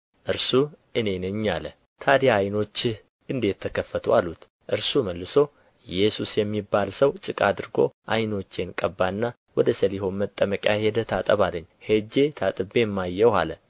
እርሱ እኔ ነኝ አለ ታድያ ዓይኖችህ እንዴት ተከፈቱ አሉት እርሱ መልሶ ኢየሱስ የሚባለው ሰው ጭቃ አድርጎ አይኖቼን ቀባና ወደ ሰሊሆም መጠመቂያ ሄደህ ታጠብ አለኝ ሄጄ ታጥቤም አየሁ አለ